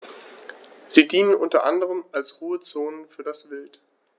Sie dienen unter anderem als Ruhezonen für das Wild.